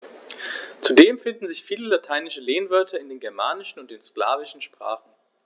Zudem finden sich viele lateinische Lehnwörter in den germanischen und den slawischen Sprachen.